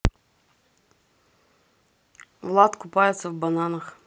влад купается в бананах